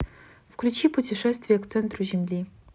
включи путешествие к центру земли